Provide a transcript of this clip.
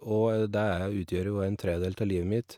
Og det er utgjør jo en tredel ta livet mitt.